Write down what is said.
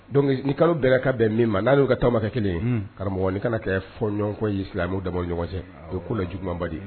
Donc ni kalo benna ka bɛn min ma n'a n'u ka taw ma kɛ kelen ye, karamɔgɔ nin kana kɛ fɔɲɔgɔnkɔ ye silamɛw dama ni ɲɔgɔn cɛ, o ye ko la jugumanba de